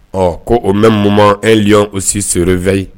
Ɔɔ ko au meme moment un lion aussi se réveille